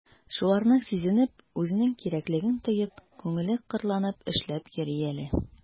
Шуларны сизенеп, үзенең кирәклеген тоеп, күңеле кырланып эшләп йөри әле...